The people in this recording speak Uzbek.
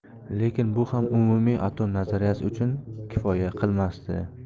lekin bu ham umumiy atom nazariyasi uchun kifoya qilmasdi